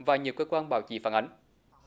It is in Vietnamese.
và nhiều cơ quan báo chí phản ánh